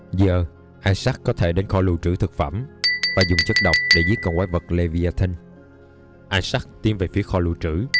giờ isaac có thể đến kho lưu trữ thực phẩm và dùng chất độc để giết con quái vật leviathan isaac tiến về phía kho lưu trữ